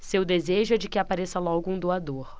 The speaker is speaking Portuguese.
seu desejo é de que apareça logo um doador